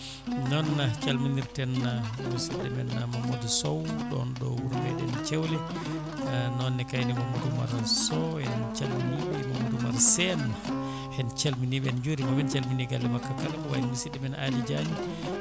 noon calminirten musidɗo men Mamadou Sow ɗon ɗo wuuro meɗen Cewle noonne kayne Mamadou Oumar Sow en calminiɓe en jurimaɓe sen en calminiɓe en jurimaɓe en calmini galle makko kala ko wayno musidɗo men Aly Diagne